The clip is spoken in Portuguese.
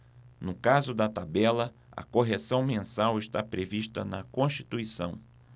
no caso da tabela a correção mensal está prevista na constituição